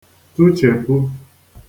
tuchèpu